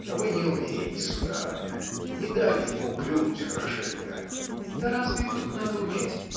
А вы не умеете, сударыня: не дали ему клюнуть хорошенько. – Да разве и тут надо уметь?